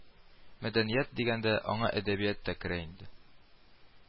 Мәдәният дигәндә, аңа әдәбият та керә инде